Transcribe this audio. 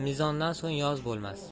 mizondan so'ng yoz bo'lmas